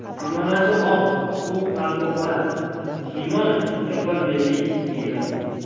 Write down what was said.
kimonosi oq u qalbi qora kimono yapon milliy kiyimi